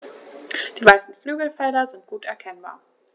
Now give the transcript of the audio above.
Die weißen Flügelfelder sind gut erkennbar.